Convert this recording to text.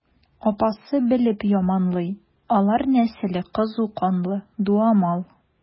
Апасы белеп яманлый: алар нәселе кызу канлы, дуамал.